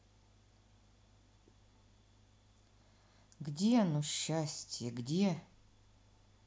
где оно счастье где